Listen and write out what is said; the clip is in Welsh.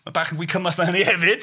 Ma' bach yn fwy cymleth 'na hynny hefyd.